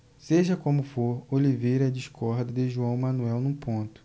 seja como for oliveira discorda de joão manuel num ponto